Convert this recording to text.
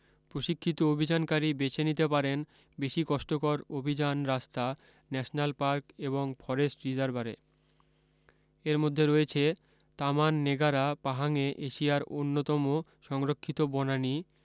প্রশিক্ষিত অভি্যানকারী বেছে নিতে পারেন বেশী কষ্টকর অভি্যান রাস্তা ন্যাশনাল পার্ক এবং ফরেষ্ট রিসার্ভারে এর মধ্যে রয়েছে তামান নেগারা পাহাঙে এশিয়ার অন্যতম সংরক্ষিত বনানী